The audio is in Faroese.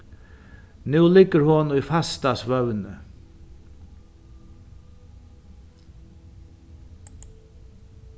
nú liggur hon í fasta svøvni